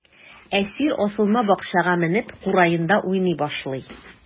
Әсир асылма бакчага менеп, кураенда уйный башлый.